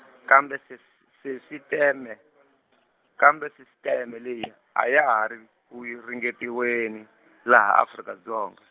kambe sis- sisiteme, kambe sisiteme leyi, ha ya ha ri, ku ringeteriweni, laha Afrika Dzonga.